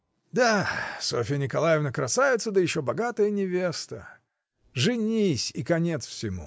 — Да, Софья Николаевна красавица, да еще богатая невеста: женись, и конец всему.